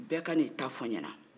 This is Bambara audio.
bɛɛ ka na i ta fɔ n ɲɛna